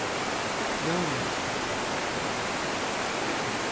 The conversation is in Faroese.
ljóðleyst